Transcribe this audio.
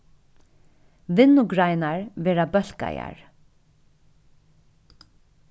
vinnugreinar verða bólkaðar